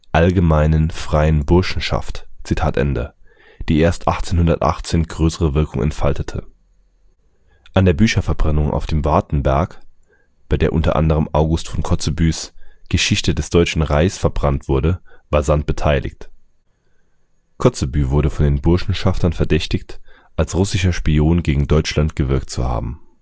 allgemeinen freien Burschenschaft “, die erst 1818 größere Wirkung entfaltete. An der Bücherverbrennung auf dem Wartenberg, bei der unter anderem August von Kotzebues Geschichte des deutschen Reichs verbrannt wurde, war Sand beteiligt. Kotzebue wurde von den Burschenschaftern verdächtigt, als russischer Spion gegen Deutschland gewirkt zu haben